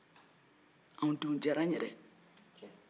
anw denw diyara an ye dɛ